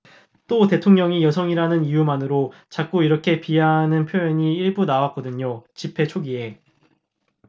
또 대통령이 여성이라는 이유만으로 자꾸 이렇게 비하하는 표현이 일부 나왔거든요 집회 초기에